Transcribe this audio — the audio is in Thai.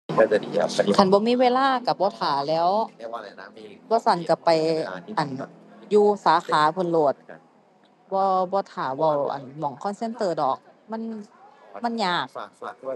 คันบ่มีเวลาก็บ่ท่าแหล้ว บ่ซั้นก็ไป อั่น อยู่สาขาเพิ่นโลด บ่ บ่ท่าเว้า อั่น หม้อง call center ดอก มัน มันยาก